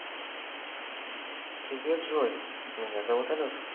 привет джой меня зовут алеша